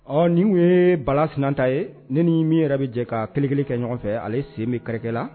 Ɔ nin ye bala sin ta ye ne ni min yɛrɛ bɛ jɛ k ka p kelen kɛ ɲɔgɔn fɛ ale sen bɛ kɛrɛ la